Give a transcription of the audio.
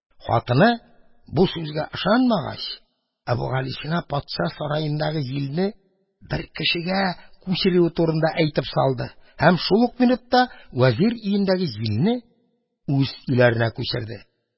Хатыны бу сүзгә ышанмагач, Әбүгалисина патша сараендагы җилне бер кешегә күчерүе турында да әйтеп салды һәм шул ук минутта вәзир өендәге җилне үз өйләренә күчерде.